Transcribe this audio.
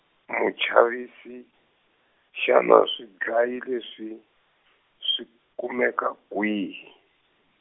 muxavisi, xana swidlayi leswi swi kumeka kwihi.